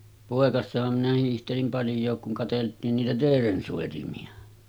poikasenahan minä hiihtelin paljonkin kun katseltiin niitä teeren soitimia